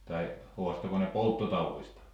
tai haastoiko ne polttotaudista